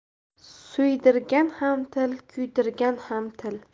suydirgan ham til kuydirgan ham til